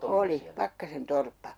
oli Pakkasen torppa